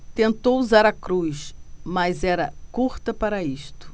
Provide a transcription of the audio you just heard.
tentou usar a cruz mas era curta para isto